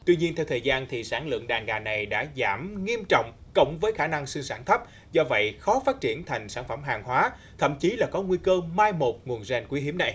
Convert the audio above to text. tuy nhiên theo thời gian thì sản lượng đàn gà này đã giảm nghiêm trọng cộng với khả năng sinh sản thấp do vậy khó phát triển thành sản phẩm hàng hóa thậm chí là có nguy cơ mai một nguồn ren quý hiếm này